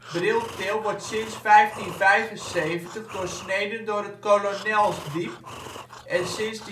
Briltil wordt sinds 1575 doorsneden door het Kolonelsdiep en sinds